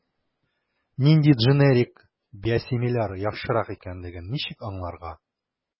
Нинди дженерик/биосимиляр яхшырак икәнлеген ничек аңларга?